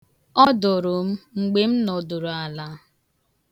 Ọ dụrụ m mgbe m nọdụrụ ala.